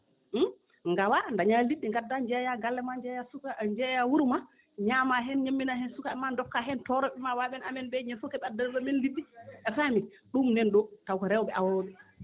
ngawaa ndañaa liɗɗi ngaddaa njeeyaa galle maa njeeya suka njeeya wuro maa ñaamaa heen ñamminaa heen sukaaɓe maa ndokkaa heen toroɓɓe maa waaɓe no amen ɓe ñannde fof keɓat dose: fra amen liɗɗi a faami ɗum nan ɗoo tawko rewɓe awooɓe